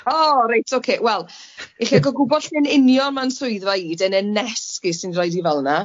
O reit ocê wel, i chi ga'l gwbod lle'n union ma'n swyddfa i de, ne nesg i, os ti'n roid 'i fel 'na.